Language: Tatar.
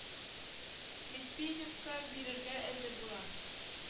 Медведевка бирергә әзер була